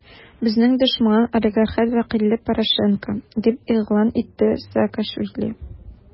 Безнең дошман - олигархат вәкиле Порошенко, - дип игълан итте Саакашвили.